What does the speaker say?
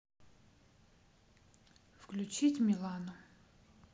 включить милану